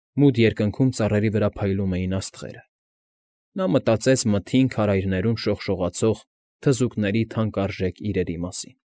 Մութ երկնքում ծառերի վրա փայլում էին աստղերը։ Նա մտածեց մթին քարայրներում շողշողացող թզուկների թանկարժեք իրերի մասին։